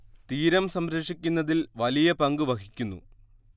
തീരം സംരക്ഷിക്കുന്നതിൽ വലിയ പങ്ക് വഹിക്കുന്നു